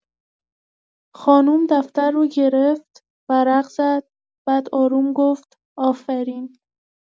خانم دفتر رو گرفت، ورق زد، بعد آروم گفت: «آفرین!»